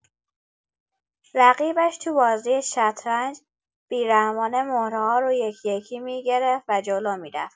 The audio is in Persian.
رقیبش تو بازی شطرنج، بی‌رحمانه مهره‌ها رو یکی‌یکی می‌گرفت و جلو می‌رفت.